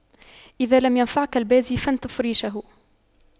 إذا لم ينفعك البازي فانتف ريشه